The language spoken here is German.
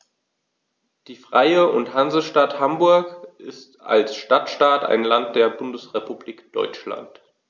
Die Freie und Hansestadt Hamburg ist als Stadtstaat ein Land der Bundesrepublik Deutschland.